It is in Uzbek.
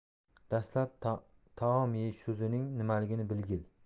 dastlab taom yeyish so'zining nimaligini bilgil